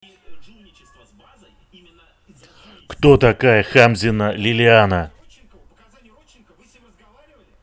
кто такая хамзина лилиана